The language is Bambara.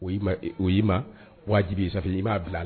O o' ma wajibi sa i m'a bila a la